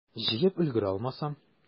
Җыеп өлгерә алмасам?